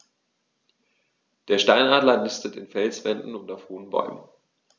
Der Steinadler nistet in Felswänden und auf hohen Bäumen.